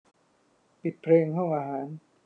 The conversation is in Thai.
ปิดเพลงห้องอาหาร